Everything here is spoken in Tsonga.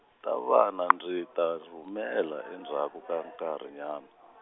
ta vana ndzi ta rhumela endzhaku ka nkarhinyana.